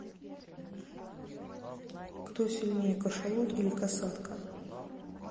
кто сильнее кашалот или касатка